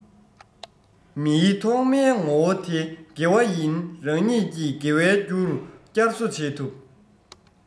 མིའི ཐོག མའི ངོ བོ དེ དགེ བ ཡིན རང ཉིད ཀྱི དགེ བའི རྒྱུ བསྐྱར གསོ བྱེད ཐུབ